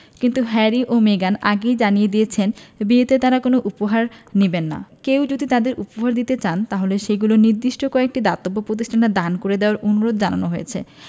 কিন্তু হ্যারি ও মেগান আগেই জানিয়ে দিয়েছেন বিয়েতে তাঁরা কোনো উপহার নেবেন না কেউ যদি তাঁদের উপহার দিতেই চান তাহলে সেগুলো নির্দিষ্ট কয়েকটি দাতব্য প্রতিষ্ঠানে দান করে দেওয়ার অনুরোধ জানানো হয়েছে